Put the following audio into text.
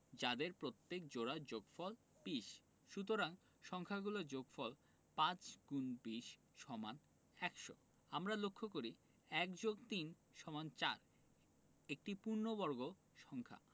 যাদের প্রত্যেক জোড়া যোগফল ২০ সুতরাং সংখ্যা গুলোর যোগফল ৫*২০=১০০ আমরা লক্ষ করি ১+৩=৪ একটি পূর্ণবর্গ সংখ্যা